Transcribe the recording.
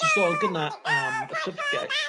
neshi sôn gyna am y llyfrgell